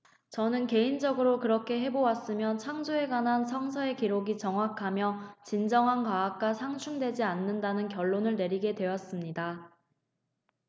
저는 개인적으로 그렇게 해 보았으며 창조에 관한 성서의 기록이 정확하며 진정한 과학과 상충되지 않는다는 결론을 내리게 되었습니다